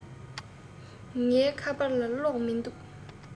ངའི ཁ པར ལ གློག མིན འདུག